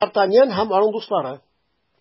Д’Артаньян һәм аның дуслары.